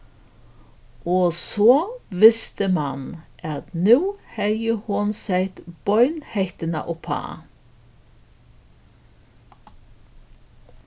og so visti mann at nú hevði hon sett beinhettuna uppá